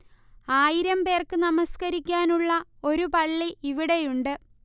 ആയിരം പേർക്ക് നമസ്കരിക്കാനുള്ള ഒരു പള്ളി ഇവിടെയുണ്ട്